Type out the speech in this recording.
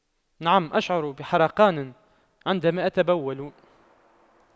نعم أشعر بحرقان عندما أتبول